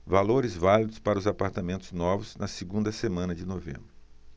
valores válidos para apartamentos novos na segunda semana de novembro